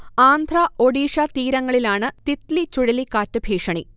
ആന്ധ്ര, ഒഡീഷ തീരങ്ങളിലാണ് തിത്ലി ചുഴലിക്കാറ്റ് ഭീഷണി